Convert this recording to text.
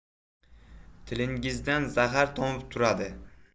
tilingdan zahar tomib turadi